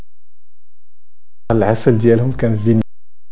العسل